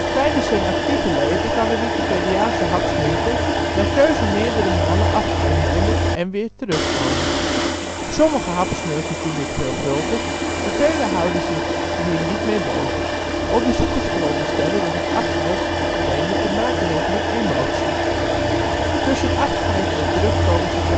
Tijdens zijn actieve leven kan een Wikipediaanse hapsnurker naar keuze meerdere malen afscheid nemen, en weer terug komen. Sommige hapsnurkers doen dit veelvuldig, en velen houden zich hier niet mee bezig. Onderzoekers veronderstellen dat het afscheid nemen te maken heeft met emotie. Tussen afscheid en terugkomen zit